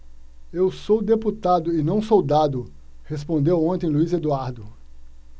eu sou deputado e não soldado respondeu ontem luís eduardo